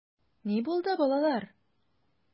Ни булды, балалар?